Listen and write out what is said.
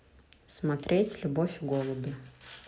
смотреть любовь и голуби